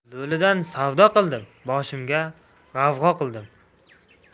lo'lidan savdo qildim boshimga g'avg'o qildim